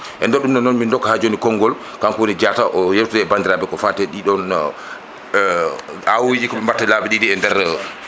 e nder ɗum ɗo noon mi dokka ha joni kongol kanko woni Diatta o yewtida e bandiranɓe ko fati e ɗiɗon aawuji koɓi batta laabi ɗiɗi e nder